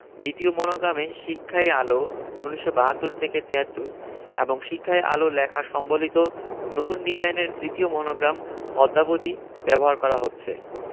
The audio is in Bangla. দ্বিতীয় মনোগ্রামে শিক্ষাই আলো ১৯৭২ থেকে ৭৩ এবং শিক্ষাই আলো লেখা সম্বলিত নতুন ডিজাইনের তৃতীয় মনোগ্রাম অদ্যাবধি ব্যবহার করা হচ্ছে